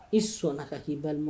I sɔnna ka k'i balima